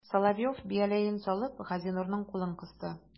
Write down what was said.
Соловеев, бияләен салып, Газинурның кулын кысты.